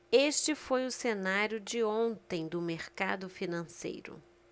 este foi o cenário de ontem do mercado financeiro